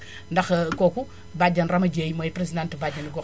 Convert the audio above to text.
ndax kooku bàjjen Rama Dieye mooy présidente bàjjenu gox